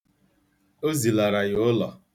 O zilara ya ụlọ.